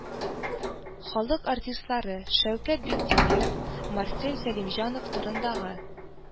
Халык артистлары шәүкәт биктимеров, марсель сәлимҗанов турындагы